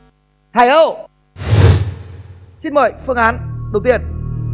hải âu xin mời phương án đầu tiên